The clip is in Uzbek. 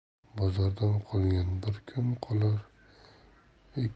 bozordan qolgan bir kun qolar